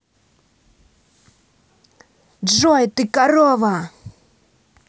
джой ты корова